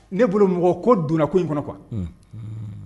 Ne bolo mɔgɔ ko donna ko in kɔnɔ qu